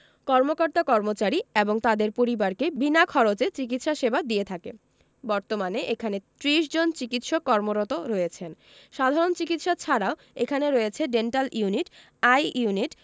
কর্মকর্তাকর্মচারী এবং তাদের পরিবারকে বিনা খরচে চিকিৎসা সেবা দিয়ে থাকে বর্তমানে এখানে ৩০ জন চিকিৎসক কর্মরত রয়েছেন সাধারণ চিকিৎসা ছাড়াও এখানে রয়েছে ডেন্টাল ইউনিট আই ইউনিট